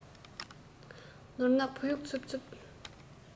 ནོར ནག བུ ཡུག ཚུབ ཚུབ